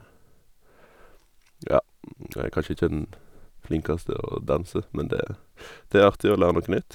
Ja, jeg er kanskje ikke den flinkeste å danse, men det det er artig å lære noe nytt.